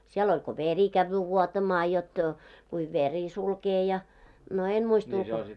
siellä oli kun veri käy vuotamaan jotta kuin veri sulkee ja no en muista ulkoa